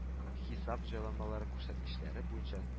Хисап җайланмалары күрсәткечләре буенча